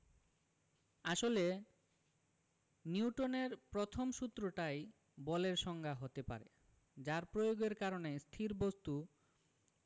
আসলে নিউটনের প্রথম সূত্রটাই বলের সংজ্ঞা হতে পারে যার প্রয়োগের কারণে স্থির বস্তু